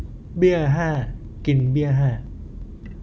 เบี้ยห้ากินเบี้ยห้า